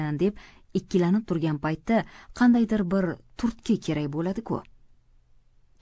deb ikkilanib turgan paytda qandaydir bir turtki kerak bo'ladi ku